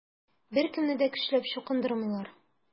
Беркемне дә көчләп чукындырмыйлар.